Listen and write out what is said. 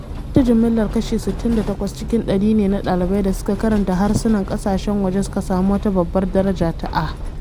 Wata jimillar kashi 68 cikin ɗari ne na ɗalibai da suka karanta harsunan ƙasashen waje suka sami wata Babbar daraja ta A.